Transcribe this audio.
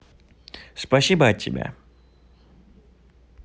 спасибо от тебя